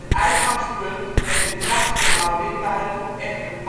uitgangspunt en de krachtsverhouding waren toen echter